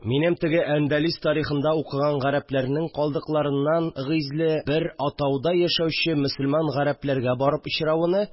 Минем теге әндәлес тарихында укиган гарәпләрнең калдыкларынан гизле1 бер атауда яшәүче мөселман гарәпләргә барып очравыны